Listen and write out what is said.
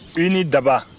i ni daba